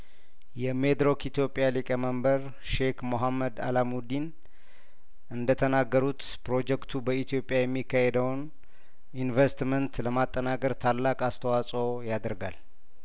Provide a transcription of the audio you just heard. የሜድሮክ ኢትዮጵያ ሊቀመንበር ሼክ ሞሀመድ አልአሙዲን እንደተናገሩት ፕሮጀክቱ በኢትዮጵያ የሚካሄደውን ኢንቨስትመንት ለማጠናከር ታላቅ አስተዋጽኦ ያደርጋል